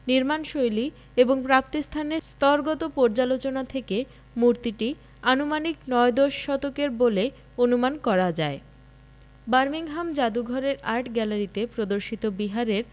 নির্মাণশৈলী এবং প্রাপ্তিস্থানের স্তরগত পর্যালোচনা থেকে মূর্তিটি আনুমানিক নয় দশ শতকের বলে অনুমান করা যায় বার্মিংহাম জাদুঘরের আর্টগ্যালারিতে প্রদর্শিত বিহারের